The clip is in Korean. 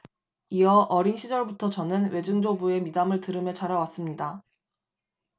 이어 어린 시절부터 저는 외증조부의 미담을 들으며 자라왔습니다